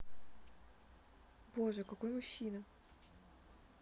боже какой мужчина